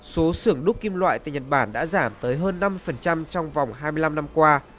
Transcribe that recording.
số xưởng đúc kim loại từ nhật bản đã giảm tới hơn năm phần trăm trong vòng hai mươi lăm năm qua